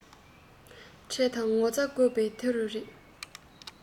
ཁྲེལ དང ངོ ཚ དགོས པ འདི རུ རེད